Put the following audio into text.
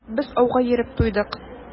Без ауга йөреп туйдык.